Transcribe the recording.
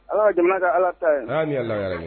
Ala jamana ka ala ta ye